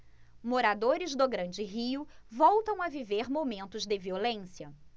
moradores do grande rio voltam a viver momentos de violência